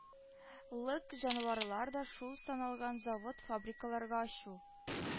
Лык җанварлар да шул саналган завод-фабрикаларга ачу